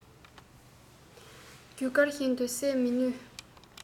རྒྱུ སྐར བཞིན དུ གསལ མི ནུས